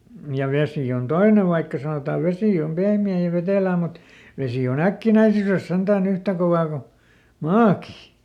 ja vesi on toinen vaikka sanotaan vesi on pehmeää ja vetelää mutta vesi on äkkinäisyydessä sentään yhtä kovaa kuin maakin